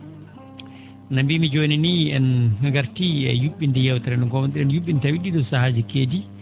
no mbiimi jooni nii en ngartii e yu??inde yeewtere nde ngowno?en yu??inde tawii ?ii ?oo saahaaji keedi